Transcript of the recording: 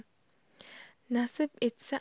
nasib etsa